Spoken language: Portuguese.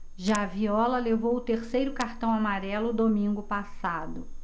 já viola levou o terceiro cartão amarelo domingo passado